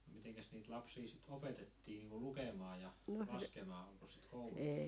mitenkäs niitä lapsia sitten opetettiin niin kuin lukemaan ja laskemaan onkos sitä koulussa